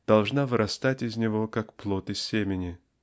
должна вырастать из него, как плод из семени.